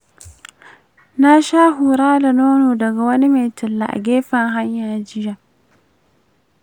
na sha hura da nono daga wani mai talla a gefen hanya jiya.